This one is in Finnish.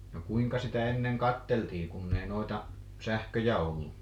no kuinka sitä ennen katseltiin kun ei noita sähköjä ollut